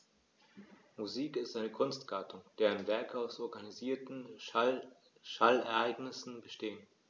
Musik ist eine Kunstgattung, deren Werke aus organisierten Schallereignissen bestehen.